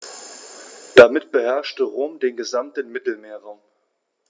Damit beherrschte Rom den gesamten Mittelmeerraum.